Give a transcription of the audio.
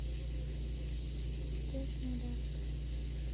песня даст